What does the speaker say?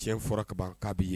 Tiɲɛ fɔra ka ban ka bi yen